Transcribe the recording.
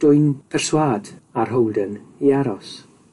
dwyn perswâd ar Holden i aros.